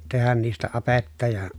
tehdä niistä apetta ja